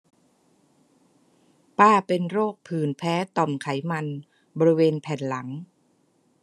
ป้าเป็นโรคผื่นแพ้ต่อมไขมันบริเวณแผ่นหลัง